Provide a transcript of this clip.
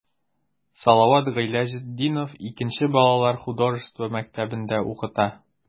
Салават Гыйләҗетдинов 2 нче балалар художество мәктәбендә укыта.